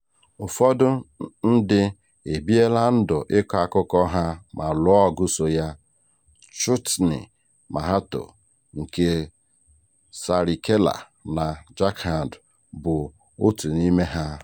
Ụfọdụ ndị ebiela ndụ ịkọ akụkọ ha ma lụọ ọgụ so ya. Chutni Mahato nke Saraikela na Jharkhand bụ otu n'ime ha.